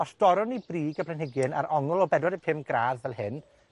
os dorron ni brig y blanhigyn ar ongl o bedwar de' pum gradd fel hyn,